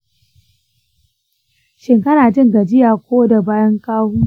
shin kana jin gajiya koda bayan ka huta?